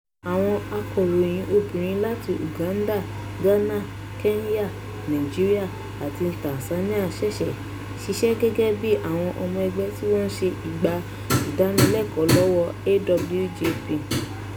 Àwọn akọ̀ròyìn obìnrin láti Uganda, Ghana, Kenya, Nigeria àti Tanzania ṣiṣẹ́ gẹ́gẹ́ bíi àwọn ọmọ ẹgbẹ́ tí wọ́n sì gba ìdánilẹ́kọ̀ọ́ lọ́wọ́ AWJP.